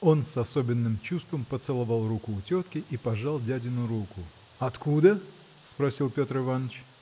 Он с особенным чувством поцеловал руку у тетки и пожал дядину руку. – Откуда? – спросил Петр Иваныч.